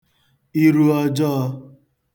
iru ọjọọ̄